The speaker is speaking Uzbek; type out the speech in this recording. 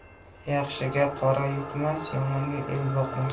yaxshiga qora yuqmas yomonga el boqmas